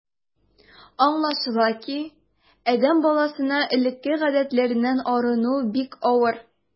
Аңлашыла ки, адәм баласына элекке гадәтләреннән арыну бик авыр.